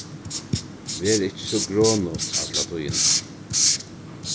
ver ikki so gronut alla tíðina